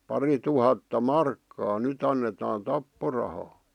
parituhatta markkaa nyt annetaan tapporahaa